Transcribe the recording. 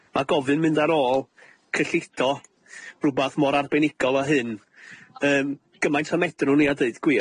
Ma' gofyn mynd ar ôl cyllido rwbath mor arbenigol â hyn yym gymaint â medrwn ni a deud gwir.